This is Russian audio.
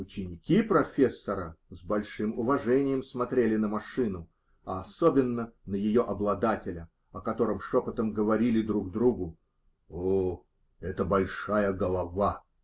Ученики "профессора" с большим уважением смотрели на "машину", а особенно на ее обладателя, о котором шепотом говорили друг другу: -- О, это большая голова!